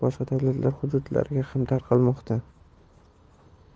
boshqa davlatlar hududlariga ham tarqalmoqda